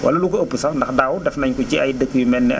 wala lu ko ëpp sax ndax daaw def nañ ko ci ay dëkk yu mel ne